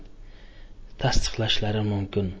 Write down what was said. tasdiqlashlari mumkin